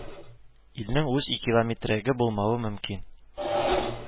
Илнең үз икилометрәге булмавы мөмкин